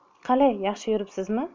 qalay yaxshi yuribsizmi